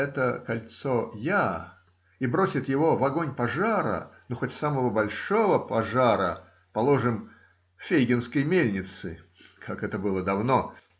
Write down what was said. "это кольцо я!" и бросит его в огонь пожара, ну, хоть самого большого пожара, положим Фейгинской мельницы (как это было давно!),